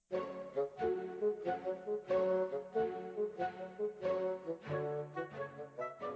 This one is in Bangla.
music